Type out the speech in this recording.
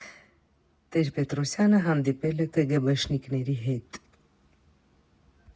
Տեր֊Պետրոսյանը հանդիպել է ԿԳԲշ֊նիկների հետ։